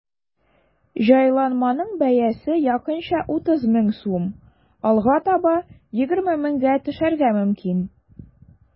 Җайланманың бәясе якынча 30 мең сум, алга таба 20 меңгә төшәргә мөмкин.